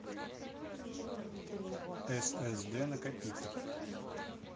ссд накопители